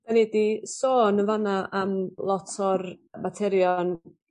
'Yn ni 'di sôn yn fan 'na am lot o'r materion